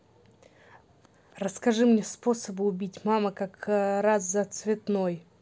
расскажи мне все способы убить мама как раз за цветной